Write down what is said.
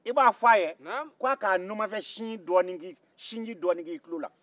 i b'a f'a ye k'a ka numanfɛsinji dɔnnin k'i tulola